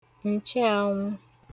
ǹcheanwụ̄